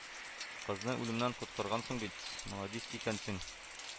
– кызны үлемнән коткаргансың бит. маладис икәнсең